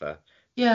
Ie.